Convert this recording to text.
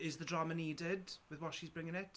Is the drama needed with what she's bringing it?